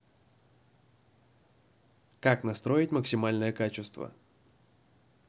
как настроить максимальное качество